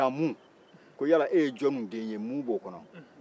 ko jamu ko yarɔ e jɔni den ye mu bɛ o kɔnɔ